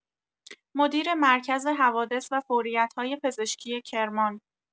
مدیر مرکز حوادث و فوریت‌های پزشکی کرمان